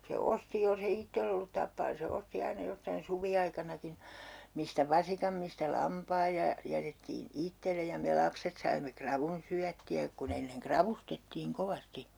se osti jos ei itsellä ollut tappaa niin se osti aina jostakin suviaikanakin mistä vasikan mistä lampaan ja ja jätettiin itselle ja me lapset saimme ravun syöttiä kun ennen ravustettiin kovasti